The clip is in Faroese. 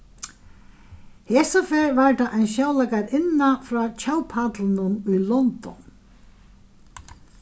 hesuferð var tað ein sjónleikarinna frá tjóðpallinum í london